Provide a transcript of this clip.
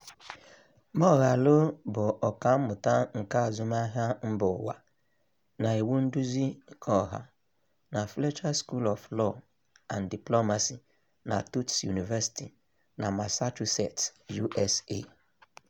Moghalu bụ ọkammụta nke azụmahịa mba ụwa na iwu nduzi keọha na Fletcher School of Law and Diplomacy na Tufts University na Massachusetts, USA.